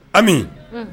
Amimi